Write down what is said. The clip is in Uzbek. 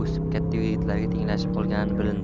o'sib katta yigitlarga tenglashib qolgani bilindi